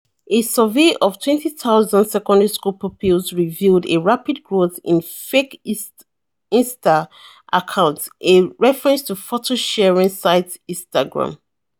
A survey of 20,000 secondary school pupils revealed a rapid growth in "fake Insta" accounts - a reference to photo-sharing site Instagram.